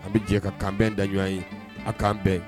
A bɛ jɛ ka kanbɛn daɲɔgɔn ye a k'an bɛn